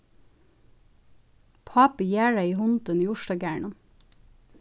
pápi jarðaði hundin í urtagarðinum